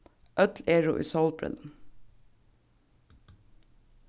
øll eru í sólbrillum